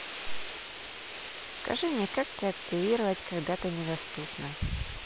скажи мне как тебя активировать когда ты недоступна